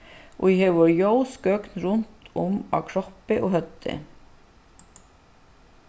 ið hevur ljósgøgn runt um á kroppi og høvdi